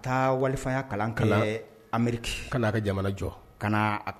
Taa walifaya kalan kɛ Ameriki ka na ka jamana jɔ .